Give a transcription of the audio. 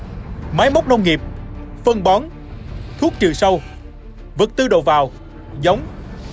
máy móc nông nghiệp phân bón thuốc trừ sâu vật tư đầu vào giống